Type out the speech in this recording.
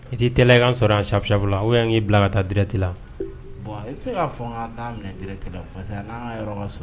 I t tɛi tɛ ka sɔrɔ an sayan la yan k'i bila ka taa dɛrɛti la bɛ se ka taa la'